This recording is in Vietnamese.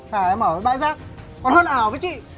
thà em ở cái bãi rác còn hơn ở với chị